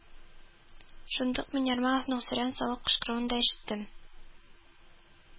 Шундук мин Ярмоланың сөрән салып кычкыруын да ишеттем